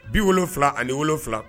Bi wolo wolonwula ani wolonwula